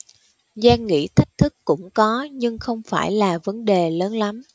giang nghĩ thách thức cũng có nhưng không phải là vấn đề lớn lắm